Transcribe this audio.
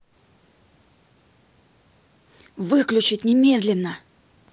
выключить немедленно